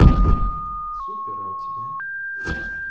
супер а у тебя